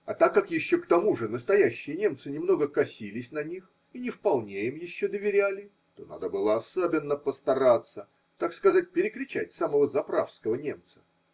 А так как еще к тому же настоящие немцы немного косились на них и не вполне им еще доверяли, то надо было особенно постараться – так сказать, перекричать самого заправского немца.